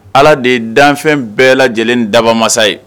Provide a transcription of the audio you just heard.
Ala de ye danfɛn bɛɛ lajɛlen dabamasa ye